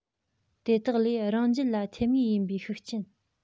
དེ དག ལས རང རྒྱལ ལ ཐེབས ངེས ཡིན པའི ཤུགས རྐྱེན